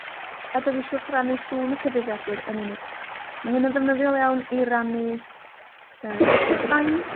a dewiswch rhannu sŵn y cyfrifiadur yn unig. Mae hyn yn ddefnyddiol iawn i rannu, yy, clipie sain,